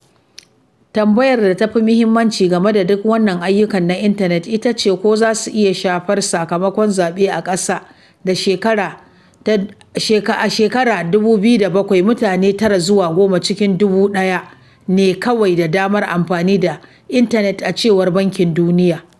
Tambayar da ta fi muhimmanci game da duk wannan ayyukan na intanet ita ce ko za su iya shafar sakamakon zabe, a ƙasa da shekarar a 2007, mutane 9 zuwa 10 cikin 1000 ne kawai ke da damar amfani da intanet, a cewar Bankin Duniya.